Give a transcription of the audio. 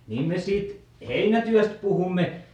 niin me siitä heinätyöstä puhumme